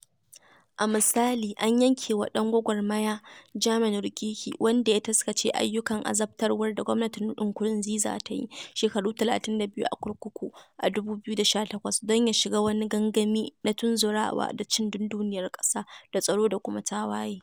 A misali, an yanke wa ɗan gwagwarmaya Germain Rukiki wanda ya taskace ayyukan azabtarwar da gwamnatin Nkurunziza ta yi, shekaru 32 a kurkuku a 2018 don ya shiga wani gangami na tunzurawa da cin dunduniyar ƙasa da tsaro da kuma tawaye.